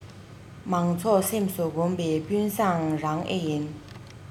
མང ཚོགས སེམས སུ བསྒོམས པའི དཔོན བཟང རང ཨེ ཡིན